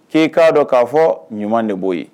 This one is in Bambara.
K'i k'a dɔn k'a fɔ ɲuman de b'o ye